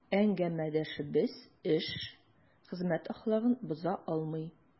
Әңгәмәдәшебез эш, хезмәт әхлагын боза алмый.